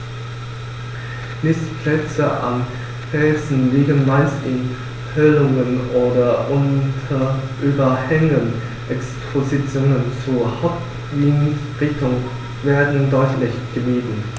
Nistplätze an Felsen liegen meist in Höhlungen oder unter Überhängen, Expositionen zur Hauptwindrichtung werden deutlich gemieden.